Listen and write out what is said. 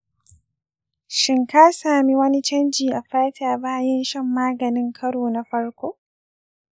shin ka sami wani canji a fata bayan shan maganin karo na farko?